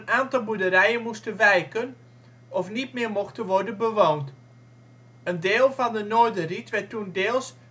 aantal boerderijen moesten wijken of niet meer mochten worden bewoond. Een deel van de Noorderried werd toen deels